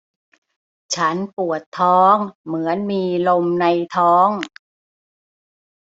ฉันปวดท้องเหมือนมีลมในท้อง